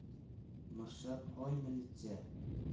mirshab hoy milisiya